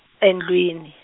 endlwini.